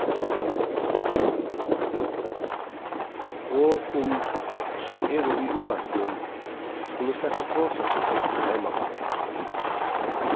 og um fólk sum eru í útvarpinum skulu sleppa at tosa sítt egna heimamál